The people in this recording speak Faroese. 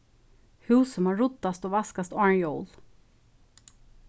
húsið má ruddast og vaskast áðrenn jól